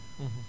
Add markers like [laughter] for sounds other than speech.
[hesitation] [hesitation]